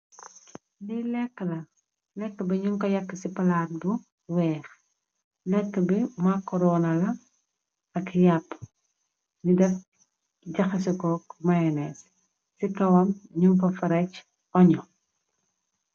li lekk la lekk bi ñuñ ko yakk ci palaar bu weex, lekk bi makoroona la ak yàpp newdef jaha si ko mayones ci kawam ñum fa farec oño.